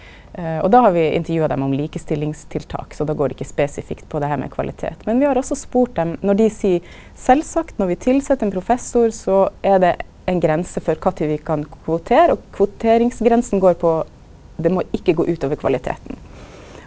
og då har vi intervjua dei om likestillingstiltak, så då går det ikkje spesifikt på det her med kvalitet, men vi har også spurt dei når dei seier sjølvsagt når vi tilset ein professor så er det ei grense for kva tid vi kan kvotera og kvoteringsgrensa går på det må ikkje gå utover kvaliteten.